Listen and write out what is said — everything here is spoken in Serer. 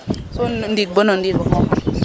So no ndiig bo no ndiig o xooxaa?